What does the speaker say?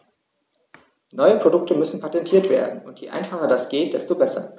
Neue Produkte müssen patentiert werden, und je einfacher das geht, desto besser.